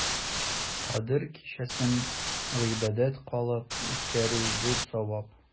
Кадер кичәсен гыйбадәт кылып үткәрү зур савап.